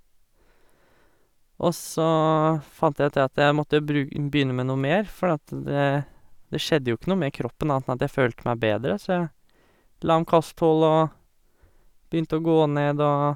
Og så fant jeg ut det at jeg måtte jo bru begynne med noe mer, fordi at det det skjedde jo ikke noe med kroppen annet enn at jeg følte meg bedre, så jeg la om kosthold og begynte å gå ned og...